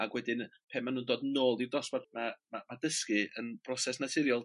Ac wedyn pe' ma'n nhwn dod nôl i'r dosbarth ma' ma' ma' dysgu yn broses naturiol.